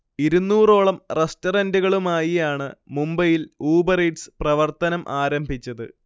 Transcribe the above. ഇരൂന്നൂറോളം റെസ്റ്ററന്റുകളുമായി ആണ് മുംബൈയിൽ ഊബർ ഈറ്റ്സ് പ്രവർത്തനം ആരംഭിച്ചത്